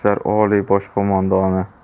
kuchlar oliy bosh qo'mondoni